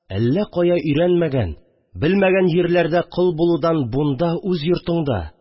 Әллә кая өйрәнмәгән, белмәгән йирләрдә кол булудан бунда, үз йортыңда